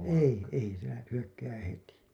ei ei se - hyökkää heti